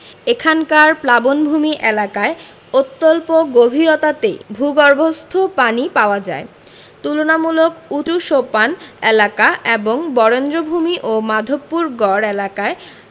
এখানকার প্লাবনভূমি এলাকায় অত্যল্প গভীরতাতেই ভূগর্ভস্থ পানি পাওয়া যায় তুলনামূলক উঁচু সোপান এলাকা অর্থাৎ বরেন্দ্রভূমি ও মধুপুরগড় এলাকায়